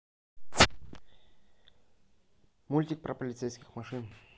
мультик про полицейских машин